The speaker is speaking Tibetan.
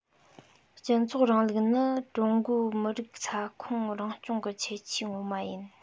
སྤྱི ཚོགས རིང ལུགས ནི ཀྲུང གོའི མི རིགས ས ཁོངས རང སྐྱོང གི ཁྱད ཆོས ངོ མ ཡིན